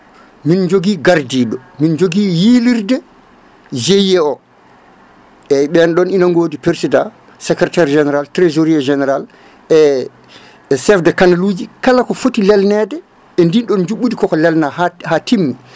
min jogui gardiɗo min jogui yilirde GIE o eyyi ɓen ɗon ina goodi président sécretaire général trésorier général e chef de kanaluji kala ko foti lelnede e ndin ɗon juɓɓudi koko lelna ha ha timmi